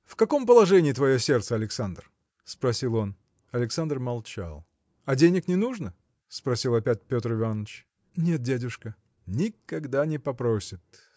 в каком положении твое сердце, Александр? – спросил он. Александр молчал. – А денег не нужно? – спросил опять Петр Иваныч. – Нет, дядюшка. – Никогда не попросит!